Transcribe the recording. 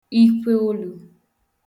ikweolū